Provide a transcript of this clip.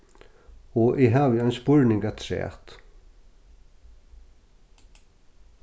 og eg havi ein spurning afturat